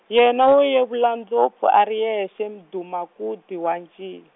yena wo yevula ndlopfu a ri yexe Mdumakude wa njiy-.